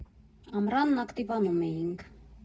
Ամռանն ակտիվանում էինք։